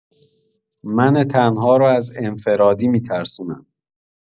من تنها رو از انفرادی می‌ترسونن.